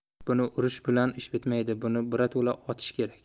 buni urish bilan ish bitmaydi buni birato'la otish kerak